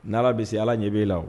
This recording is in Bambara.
N' bisimila ala ɲɛ b'i la